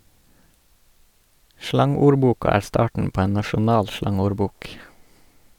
Slangordboka er starten på en nasjonal slangordbok.